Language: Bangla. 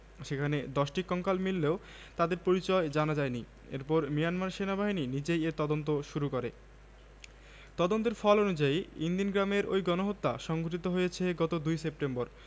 ওই তদন্তদলের প্রতিবেদনে বলা হয়েছে আরাকান রোহিঙ্গা স্যালভেশন আর্মির আরসা কথিত হামলার পর রোহিঙ্গাদের ওপর প্রতিশোধমূলক হামলা চালাতে মিয়ানমার সেনাবাহিনীর চারজন সদস্য গ্রামবাসীকে সহযোগিতা করেছে